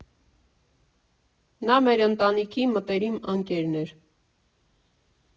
Նա մեր ընտանիքի մտերիմ ընկերն էր.